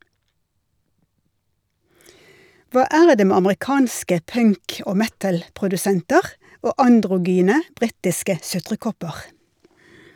Hva er det med amerikanske punk- og metalprodusenter og androgyne britiske sutrekopper?